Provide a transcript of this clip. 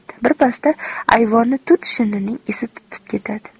birpasda ayvonni tut shinnining isi tutib ketadi